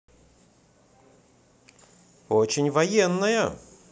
очень военная